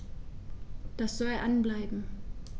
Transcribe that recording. Das soll an bleiben.